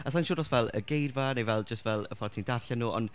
A sa i'n siŵr os fel y geirfa neu fel, jyst fel y ffordd ti'n darllen nhw ond...